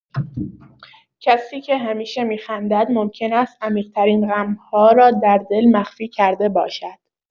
کسی که همیشه می‌خندد ممکن است عمیق‌ترین غم‌ها را در دل مخفی کرده باشد.